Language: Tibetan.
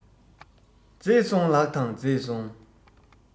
མཛེས སོང ལགས དང མཛེས སོང